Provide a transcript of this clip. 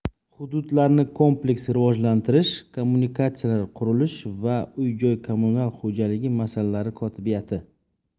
hududlarni kompleks rivojlantirish kommunikatsiyalar qurilish va uy joy kommunal xo'jaligi masalalari kotibiyati